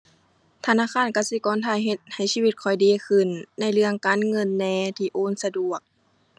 ธนาคารกสิกรไทยเฮ็ดให้ชีวิตข้อยดีขึ้น ในเรื่องการเงินแหน่ ที่โอนสะดวก